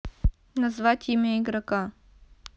назвать имя игрока